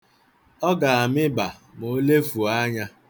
Ọ ga-amịba ma o lefuo anya.